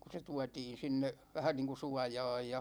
kun se tuotiin sinne vähän niin kuin suojaan ja